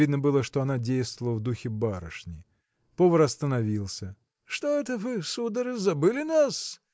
видно было, что она действовала в духе барышни. Повар остановился. – Что это вы, сударь, забыли нас?